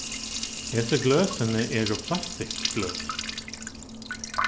hesi gløsini eru plastikkgløs